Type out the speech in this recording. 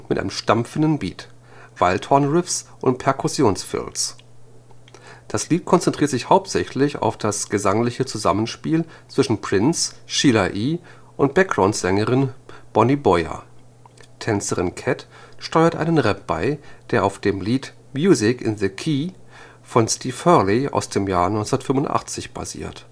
einem stampfendem Beat, Waldhorn-Riffs und Perkussion-Fills. Das Lied konzentriert sich hauptsächlich auf das gesangliche Zusammenspiel zwischen Prince, Sheila E. und Backgroundsängerin Boni Boyer. Tänzerin Cat steuert einen Rap bei, der auf dem Lied Music is the Key von Steve Hurley aus dem Jahr 1985 basiert